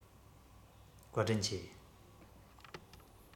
བཀའ དྲིན ཆེ